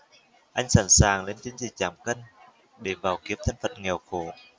anh sẵn sàng lên chiến dịch giảm cân để vào kiếp thân phận nghèo khổ